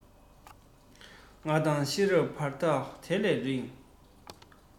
ང དང ཤེས རབ བར ཐག དེ ལས རིང